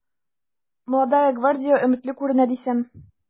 “молодая гвардия” өметле күренә дисәм...